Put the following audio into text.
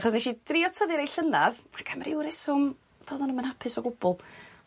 Achos nesh i drio tyfu rei llynadd ac am ryw reswm do'ddon nw'm yn hapus o gwbwl.